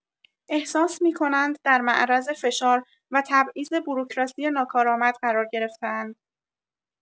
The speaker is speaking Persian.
احساس می‌کنند در معرض فشار و تبعیض بروکراسی ناکارآمد قرار گرفته‌اند.